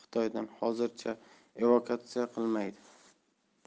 xitoydan hozircha evakuatsiya qilmaydi